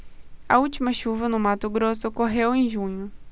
a última chuva no mato grosso ocorreu em junho